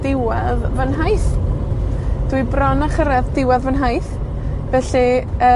diwadd fy nhaith. Dwi bron â chyrradd diwadd fy nhaith, felly, yy,